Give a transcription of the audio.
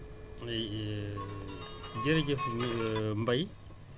oui jërëjëf Mbaye